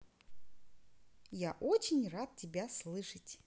я очень рад тебя слышать